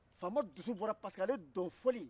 faama dusu bɔra pariseke ale dɔn fɔli